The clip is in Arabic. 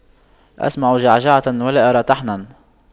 أسمع جعجعة ولا أرى طحنا